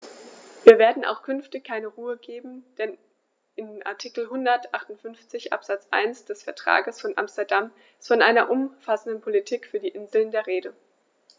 Wir werden auch künftig keine Ruhe geben, denn in Artikel 158 Absatz 1 des Vertrages von Amsterdam ist von einer umfassenden Politik für die Inseln die Rede.